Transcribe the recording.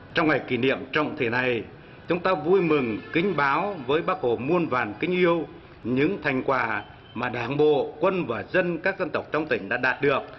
trong ngày kỷ niệm trọng thể này chúng ta vui mừng kính báo với bác hồ muôn vàn kính yêu những thành quả mà đảng bộ quân và dân các dân tộc trong tỉnh đã đạt được